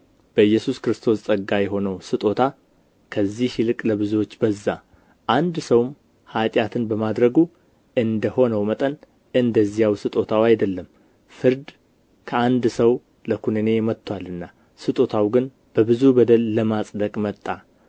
በኢየሱስ ክርስቶስ ጸጋ የሆነው ስጦታ ከዚያ ይልቅ ለብዙዎች በዛ አንድ ሰውም ኃጢአትን በማድረጉ እንደ ሆነው መጠን እንደዚያው ስጦታው አይደለም ፍርድ ከአንድ ሰው ለኵነኔ መጥቶአልና ስጦታው ግን በብዙ በደል ለማጽደቅ መጣ